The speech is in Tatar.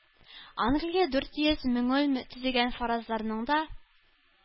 Англия – дүрт йөз меңул төзегән фаразларның да